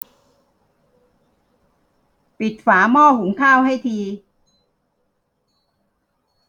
ปิดฝาหม้อหุงข้าวให้ที